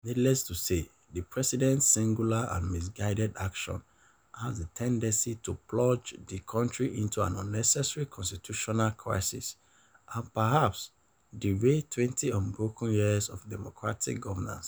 Needless to say, the president’s singular and misguided action has the tendency to plunge the country into an unnecessary constitutional crisis and, perhaps, derail 20 unbroken years of democratic governance.